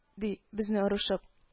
- ди безне орышып